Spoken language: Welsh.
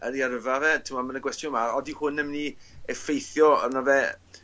yn ei yrfa fe t'mod ma' 'na gwestiwn mawr odi hwn yn myn' i effeithio arno fe